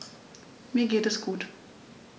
Mir geht es gut.